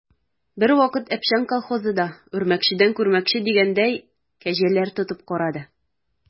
Бервакыт «Әпшән» колхозы да, үрмәкчедән күрмәкче дигәндәй, кәҗәләр тотып карады.